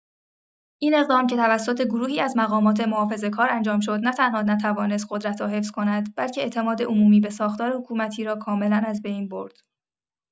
این اقدام که توسط گروهی از مقامات محافظه‌کار انجام شد، نه‌تنها نتوانست قدرت را حفظ کند، بلکه اعتماد عمومی به ساختار حکومتی را کاملا از بین برد.